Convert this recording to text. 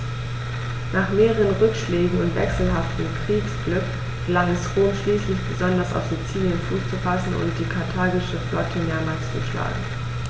Nach mehreren Rückschlägen und wechselhaftem Kriegsglück gelang es Rom schließlich, besonders auf Sizilien Fuß zu fassen und die karthagische Flotte mehrmals zu schlagen.